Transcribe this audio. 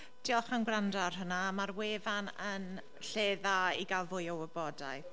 Diolch am gwrando ar hwnna. Mae'r wefan yn lle dda i gael fwy o wybodaeth.